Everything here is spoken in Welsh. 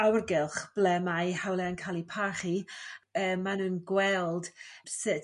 awrgylch ble mae hawliau yn ca'l eu pachu y mae n'w'n gweld sut